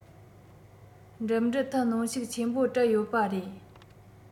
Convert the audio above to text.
འགྲིམ འགྲུལ ཐད གནོན ཤུགས ཆེན པོ སྤྲད ཡོད པ རེད